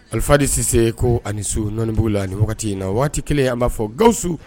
Alifa desise ko ani su nɔɔni b'u la ni waati wagati in na waati kelen y an b'a fɔ gasu